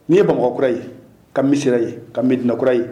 N ye bamakɔkura ye ka misira ye ka medinakura ye.